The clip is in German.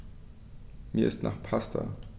Mir ist nach Pasta.